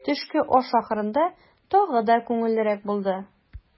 Төшке аш ахырында тагы да күңеллерәк булды.